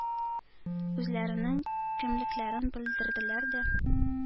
Үзләренең кемлекләрен белдерделәр дә